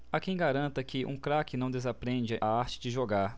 há quem garanta que um craque não desaprende a arte de jogar